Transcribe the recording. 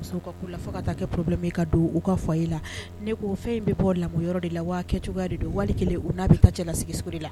'u la fo ka taa kɛ poro ka don u ka fɔ e la ne ko fɛn in bɛ bɔ la yɔrɔ de la wa kɛ cogoya don wali u n'a bɛ taa cɛlasigiso la